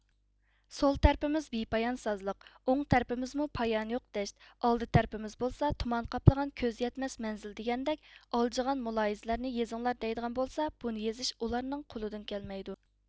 سول تەرىپىمىز بىپايان سازلىق ئوڭ تەرىپىمزمۇ پايانى يوق دەشت ئالدى تەرىپىمىز بولسا تۇمان قاپلىغان كۆز يەتمەس مەنزىل دېگەندەك ئالجىغان مۇلاھىزىلەرنى يېزىڭلار دەيدىغان بولسا بۇنى يېزىش ئۇلارنىڭ قولىدىن كەلمەيدۇ